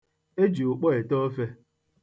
E ji ụkpọ ete ofe.